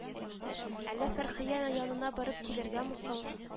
Әллә Фәрхия янына барып килергәме соң